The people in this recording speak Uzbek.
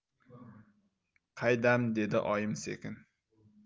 qaydam dedi oyim sekin